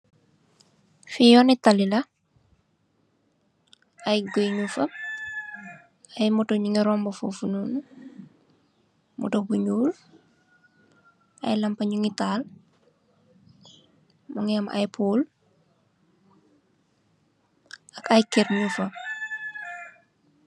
Fee yoone tali la aye goye nugfe aye motou nuge rouba fofunonu motou bu nuul aye lampa nuge taal muge am aye pole ak aye kerr nugfa.